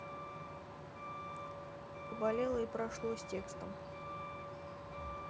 поболело и прошло с текстом